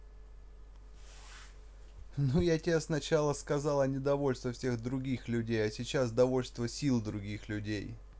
ну я тебе сначала сказала недовольство всех других людей а сейчас довольство сил других людей